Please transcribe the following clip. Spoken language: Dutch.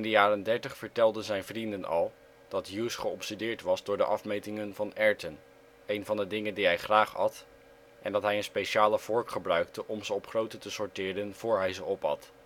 jaren dertig vertelden zijn vrienden al dat Hughes geobsedeerd was door de afmetingen van erwten, een van de dingen die hij graag at, en dat hij een speciale vork gebruikte om ze op grootte te sorteren voor hij ze opat